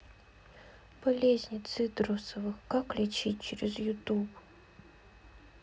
болезни цитрусовых как лечить через ютуб